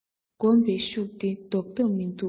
གོམས པའི ཤུགས འདི བཟློག ཐབས མིན འདུག